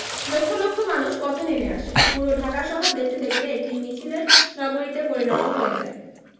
লক্ষ লক্ষ মানুষ পথে নেমে আসে পুরো ঢাকা শহর দেখতে দেখতে একটি মিছিলের নগরীতে পরিণত হয়ে যায়